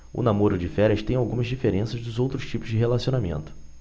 o namoro de férias tem algumas diferenças dos outros tipos de relacionamento